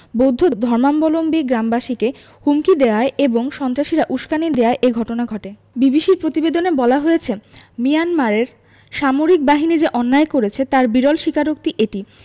বৌদ্ধ ধর্মাবলম্বী গ্রামবাসীকে হুমকি দেওয়ায় এবং সন্ত্রাসীরা উসকানি দেওয়ায় এ ঘটনা ঘটে বিবিসির প্রতিবেদনে বলা হয়েছে মিয়ানমার সামরিক বাহিনী যে অন্যায় করেছে তার বিরল স্বীকারোক্তি এটি